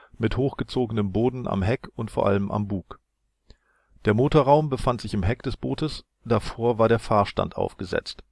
mit hochgezogenem Boden am Heck und vor allem am Bug. Sie bestanden aus einer genieteten Stahlkonstruktion. Der Motorraum befand sich im Heck des Bootes, davor war der Fahrstand aufgesetzt